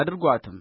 አድርጉአትም